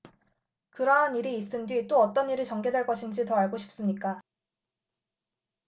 그러한 일이 있은 뒤 또 어떤 일이 전개될 것인지 더 알고 싶습니까